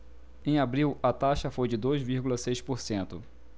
em abril a taxa foi de dois vírgula seis por cento